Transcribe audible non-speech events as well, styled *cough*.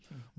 *hesitation* *hesitation*